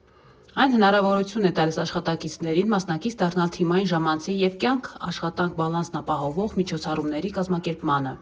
Այն հնարավորություն է տալիս աշխատակիցներին մասնակից դառնալ թիմային ժամանցի և կյանք֊աշխատանք բալանսն ապահովող միջոցառումների կազմակերպմանը։